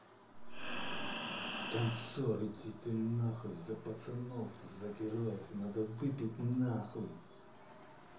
танцор иди ты нахуй за пацанов за героев надо выпить нахуй